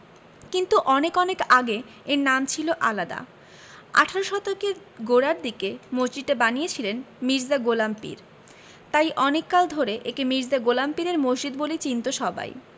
কিন্তু অনেক অনেক আগে এর নাম ছিল আলাদা আঠারো শতকের গোড়ার দিকে মসজিদটা বানিয়েছিলেন মির্জা গোলাম পীর তাই অনেক কাল ধরে একে মির্জা গোলাম পীরের মসজিদ বলে চিনতো সবাই